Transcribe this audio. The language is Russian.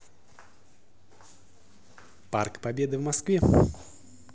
парк победы в москве